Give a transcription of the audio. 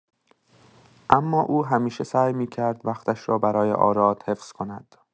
اما او همیشه سعی می‌کرد وقتش را برای آراد حفظ کند.